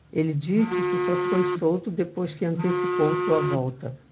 ele disse que só foi solto depois que antecipou sua volta